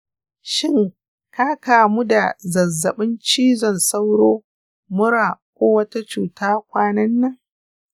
shin ka kamuda zazzabin cizon sauro, mura, ko wata cuta kwanan nan?